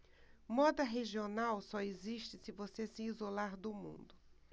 moda regional só existe se você se isolar do mundo